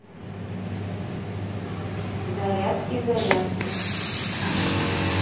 зарядки зарядки